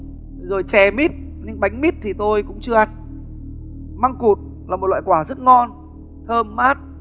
rồi chè mít nhưng bánh mít thì tôi cũng chưa ăn măng cụt là một loại quả rất ngon thơm mát